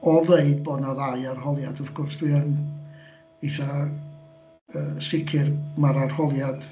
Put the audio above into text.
O ddeud bod 'na ddau arholiad, wrth gwrs dwi yn eitha yy sicr mai'r arholiad...